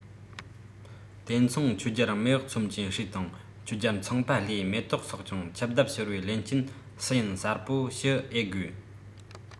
དེ མཚུངས ཆོས རྒྱལ མེས ཨག ཚོམ གྱི སྲས དང ཆོས རྒྱལ ཚངས པ ལྷའི མེ ཏོག སོགས ཀྱང ཆིབས བརྡབས ཤོར བའི ལན རྐྱེན སུ ཡིན གསལ པོ ཞུ ཨེ དགོས